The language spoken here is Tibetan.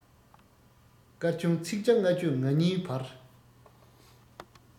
སྐར ཆུང ཚིག བརྒྱ ལྔ བཅུ ང གཉིས བར